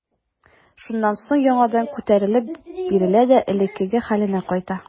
Шуннан соң яңадан күтәрелеп бәрелә дә элеккеге хәленә кайта.